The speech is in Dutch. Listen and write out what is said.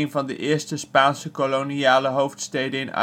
van de eerste Spaanse koloniale hoofdsteden